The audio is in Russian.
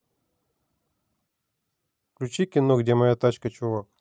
включи кино где моя тачка чувак